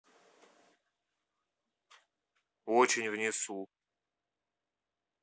очень внесу